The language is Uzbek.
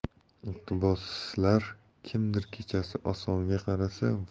iqtiboslarkimdir kechasi osmonga qarasa